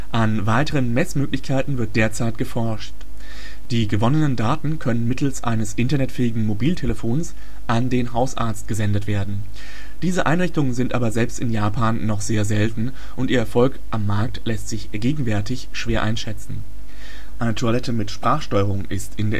An weiteren Messmöglichkeiten wird derzeit geforscht. Die gewonnenen Daten können mittels eines Internetfähigen Mobiltelefons an den Hausarzt gesendet werden. Diese Einrichtungen sind aber selbst in Japan noch sehr selten, und ihr Erfolg am Markt lässt sich gegenwärtig schwer einschätzen. Eine Toilette mit Sprachsteuerung ist in